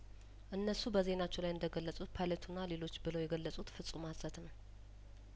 እነሱ በዜናቸው ላይ እንደ ገለጹት ፓይለቱና ሌሎች ብለው የገለጹት ፍጹም ሀሰት ነው